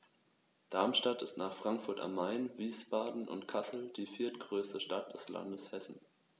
Darmstadt ist nach Frankfurt am Main, Wiesbaden und Kassel die viertgrößte Stadt des Landes Hessen